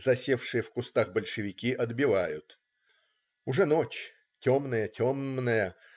Засевшие в кустах большевики отбивают. Уже ночь, темная, темная.